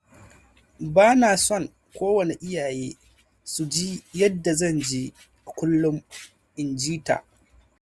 "Ba na son kowane iyaye su ji yadda zan ji a kullun," in ji ta.